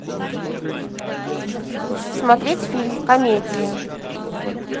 смотреть фильм комедии